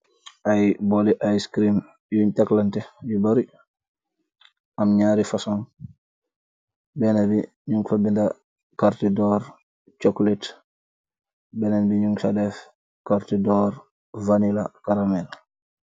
Ai bowle ice cream yun telante yu bari am nyri fason binabi nyu fa beda kartidor coclate binen bi nyu fa beda kartidor venila karmel.